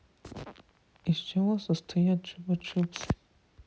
из чего состоят чупа чупсы